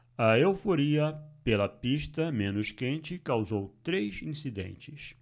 a euforia pela pista menos quente causou três incidentes